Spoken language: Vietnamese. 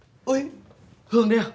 ôi hương đấy à